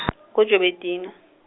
ko Joubertina.